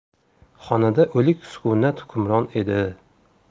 xonada o'lik sukunat hukmron edi